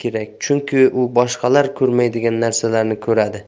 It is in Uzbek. kerak chunki u boshqalar ko'rmaydigan narsalarni ko'radi